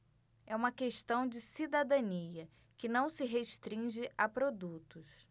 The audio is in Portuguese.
é uma questão de cidadania que não se restringe a produtos